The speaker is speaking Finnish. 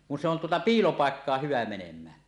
kun se on tuota piilopaikkaan hyvä menemään